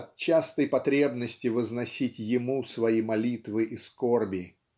от частой потребности возносить Ему свои молитвы и скорби.